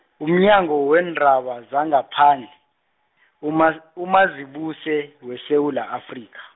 umnyango weendaba zangaphandle, UMa- uMazibuse, weSewula Afrika.